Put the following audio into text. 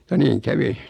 ja niin kävi